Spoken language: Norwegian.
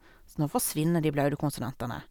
Så nå forsvinner de blaute konsonantene.